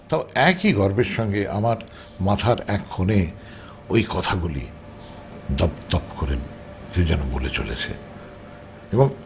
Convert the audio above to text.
তাও একই গর্বের সঙ্গে আমার মাথার এক কোণে ঐ কথাগুলি দপ দপ করে কেউ যেন বলে চলেছে এবং